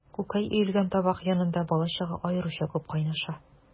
Күкәй өелгән табак янында бала-чага аеруча күп кайнаша.